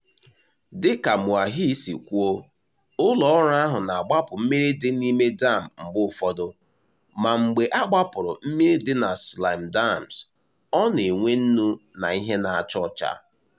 Dịka Moahi si kwuo, ụlọọrụ ahụ na-agbapụ mmiri dị n'ime dam mgbe ụfọdụ, ma mgbe a gbapụrụ mmiri dị na slime dams, ọ na-enwe nnu na ihe na-acha ọcha.